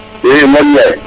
i modou Ndiaye